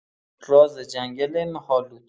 راز جنگل مه‌آلود